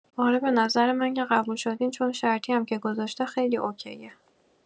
آره به نظر من که قبول شدین چون شرطی هم که گذاشته خیلی اوکیه